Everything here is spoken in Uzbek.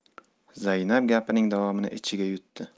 zaynab gapining davomini ichiga yutdi